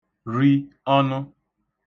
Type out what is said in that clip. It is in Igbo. ri ọnụ